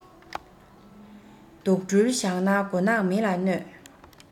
དུག སྦྲུལ བཞག ན མགོ ནག མི ལ གནོད